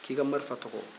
ko i ka marifa tɔgɔ